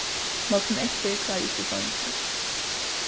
morgunin eftir klári eg ikki úr songini